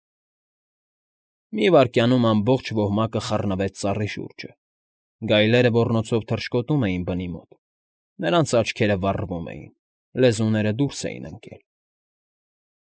Մի վայրկյանում ամբողջ ոհմակը խռնվեց ծառի շուրջը, գայլերը ոռնոցով թռչկոտում էին բնի մոտ, նրանց աչքերը վառվում էին, լեզուները դուրս էին ընկել։